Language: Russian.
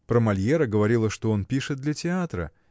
Про Мольера говорила, что он пишет для театра